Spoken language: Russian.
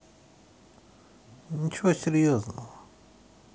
ничего серьезного